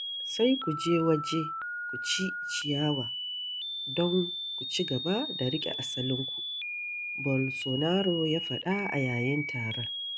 Sai ku je waje ku ci ciyawa don ku cigaba da riƙe asalinku, Bolsonaro ya faɗa a yayin taron.